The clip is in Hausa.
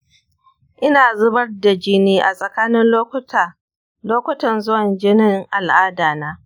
ina zubar da jini a tsakanin lokutan zuwan jinin al'ada na.